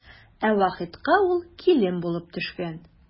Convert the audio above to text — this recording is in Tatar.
Ә Вахитка ул килен булып төшкән.